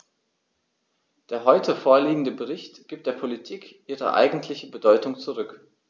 Der heute vorliegende Bericht gibt der Politik ihre eigentliche Bedeutung zurück.